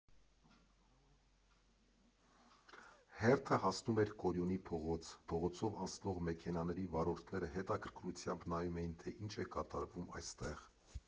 Հերթը հասնում էր Կորյունի փողոց, փողոցով անցնող մեքենաների վարորդները հետաքրքրությամբ նայում էին, թե ինչ է կատարվում այնտեղ։